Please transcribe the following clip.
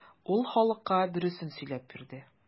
Ул халыкка дөресен сөйләп бирде.